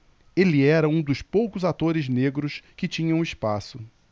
ele era um dos poucos atores negros que tinham espaço